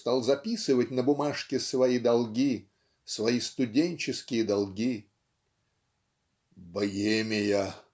стал записывать на бумажке свои долги свои студенческие долги "Богемия.